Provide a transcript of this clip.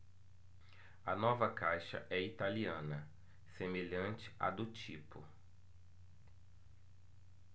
a nova caixa é italiana semelhante à do tipo